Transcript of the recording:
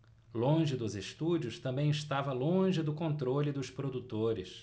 longe dos estúdios também estava longe do controle dos produtores